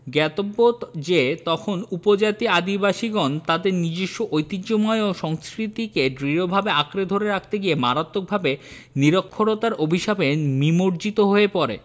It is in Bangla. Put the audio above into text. জ্ঞাতব্য যে তখন উপজাতি আদিবাসীগণ তাদের নিজস্ব ঐতিহ্যময় ও সংস্কৃতিকে দৃঢ়ভাবে আঁকড়ে ধরে রাখতে গিয়ে মারাত্মকভাবে নিরক্ষরতার অভিশাপে নিমজ্জিত হয়ে পড়ে